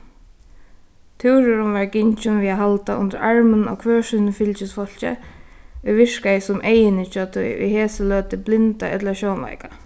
túrurin varð gingin við at halda undir armin á hvør sínum fylgisfólki ið virkaði sum eyguni hjá tí í hesi løtu blinda ella sjónveika